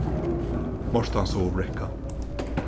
mortansstovubrekka